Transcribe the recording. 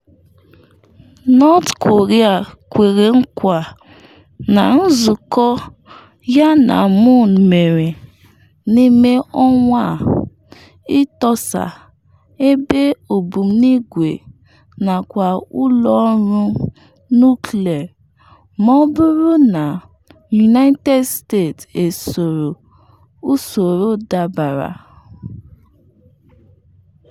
North Korea kwere nkwa na nzụkọ yana Moon mere n’ime ọnwa a ịtọsa ebe ogbunigwe nakwa ụlọ ọrụ nuklịa ma ọ bụrụ na United States esoro “usoro dabara.”